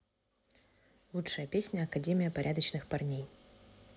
лучшая песня академия порядочных парней